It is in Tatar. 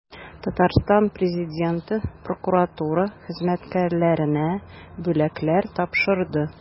Татарстан Президенты прокуратура хезмәткәрләренә бүләкләр тапшырды.